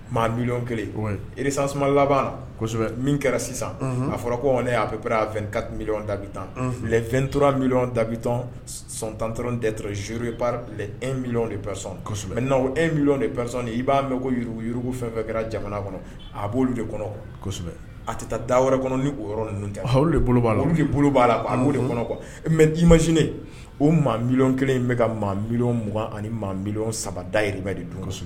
Maa mi kelenriz suma labansɛbɛ min kɛra sisan a fɔra ko ne'apereka mi dabi tan la2t mi dabi san tant tɛ dɔrɔn zour mi de kosɛbɛ n' e mi de i b'a mɛnuruguyurugu fɛn fɛn kɛra jamana kɔnɔ a b' olu de kɔnɔ kosɛbɛ a tɛ taa da wɛrɛ kɔnɔ ni o yɔrɔɔrɔn tɛ de bolo' a la olu'i bolo b a la de kɔnɔ kɔ e mɛ'i masinin o maa mi kelen in bɛ ka maabiliugan ani maab saba da yiriba dun kosɛbɛ